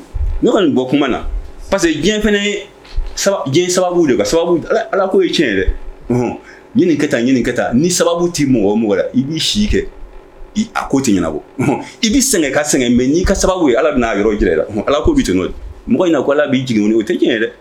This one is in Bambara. Na que diɲɛ fana ye diɲɛ sababu de ka ala ko ye tiɲɛ ka taa ɲini taa ni sababu tɛ mɔgɔ mɔgɔ i b' si kɛ a tɛ ɲɛnabɔ i bɛ sɛgɛn ka sɛgɛn n'i ka sababu ye ala bɛ n' yɔrɔ jira la ala k' bɛ t mɔgɔ ɲɛna ko ala b'i jigin o tɛ diɲɛ dɛ